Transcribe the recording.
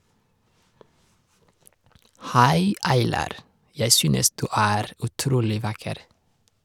Hei Aylar, jeg synes du er utrolig vakker!